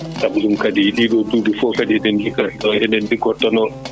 saabu ɗum kadi ɗiɗo duuɓi foo kadi eɗen ligg eɗen liggatono